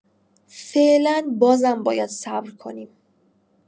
فعلا بازم باید صبر کنیم.